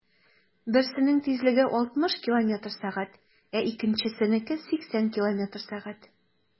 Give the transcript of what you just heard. Берсенең тизлеге 60 км/сәг, ә икенчесенеке - 80 км/сәг.